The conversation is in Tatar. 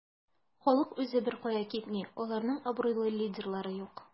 Халык үзе беркая китми, аларның абруйлы лидерлары юк.